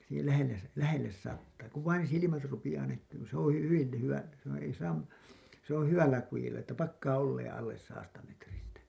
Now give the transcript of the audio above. siihen lähelle lähelle sataa kun vain silmät rupeaa näkymään niin se on hyvin - hyvä se on ei saa se on hyvällä kudilla että pakkaa olemaan alle sadasta metristä